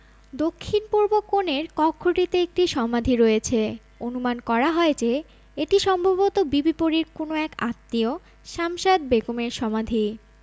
দক্ষিণপূর্ব কোণের কক্ষটিতে একটি সমাধি রয়েছে অনুমান করা হয় যে এটি সম্ভবত বিবি পরীর কোন এক আত্মীয় শামশাদ বেগমের সমাধি